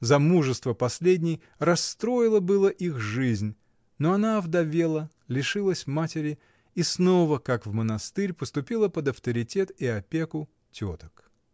Замужество последней расстроило было их жизнь, но она овдовела, лишилась матери и снова, как в монастырь, поступила под авторитет и опеку теток.